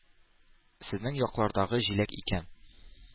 Сезнең яклардагы җиләк икән!